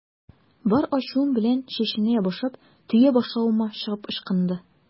Бар ачуым белән чәченә ябышып, төя башлавыма чыгып ычкынды.